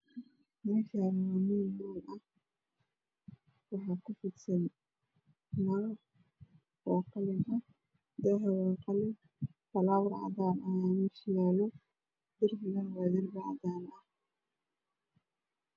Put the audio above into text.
Meshan waa mel hool ah wax kufisan maro oo qalin ah daha waa qalin falawar cadan ah aya meshayalo darbiga waa cadan